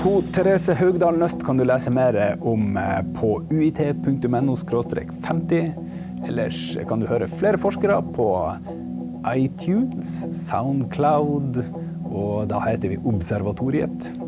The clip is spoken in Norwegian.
ho Therese Haugdal Nøst kan du lese meir om på UiT punktum N O skråstrek femti, elles kan du høyra fleire forskarar på i iTunes, Soundcloud, og då heiter vi Observatoriet.